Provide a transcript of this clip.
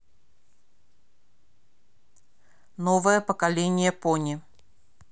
новое поколение пони